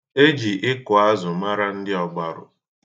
E ji ịkụ azụ mara ndị Ọgbarụ.